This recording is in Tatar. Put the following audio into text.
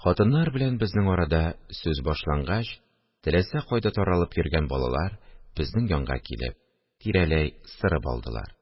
Хатыннар белән безнең арада сүз башлангач, теләсә кайда таралып йөргән балалар, безнең янга килеп, тирәләй сырып алдылар